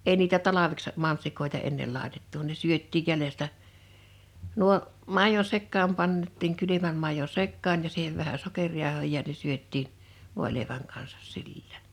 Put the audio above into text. mansikat ei niitä talveksi mansikoita ennen laitettu ne syötiin jäljestä nuo maidon sekaan pantiin kylmän maidon sekaan ja siihen vähän sokerijauhoa ja ne syötiin voileivän kanssa silloin